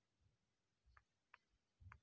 реклама для маленьких